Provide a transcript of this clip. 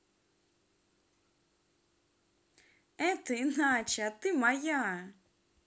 это иначе а ты моя